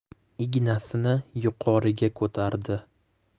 ignasini yuqoriga ko'tardi